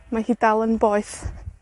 Mae hi dal yn boeth.